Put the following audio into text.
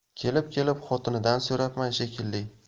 kelib kelib xotinidan so'rabman shekilli